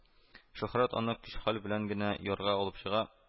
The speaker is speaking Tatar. Шөһрәт аны көч-хәл белән генә ярга алып чыга